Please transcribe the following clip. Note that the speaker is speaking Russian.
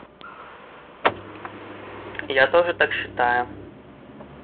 я так тоже считаю